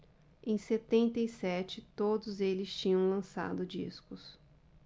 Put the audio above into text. em setenta e sete todos eles tinham lançado discos